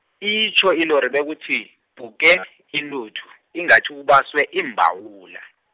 itjho ilori bekuthi, puke, intuthu inga kubaswe imbawula.